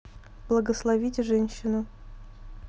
благословите женщину